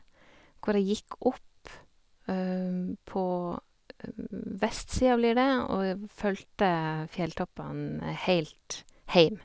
Hvor jeg gikk opp på vestsida, blir det, og ev fulgte fjelltoppene heilt heim.